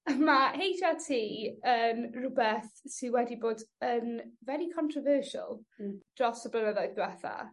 ma' Heitch Are Tee yn rwbeth sy wedi bod yn very controversial... Hmm. ...dros y blynyddoedd dwetha.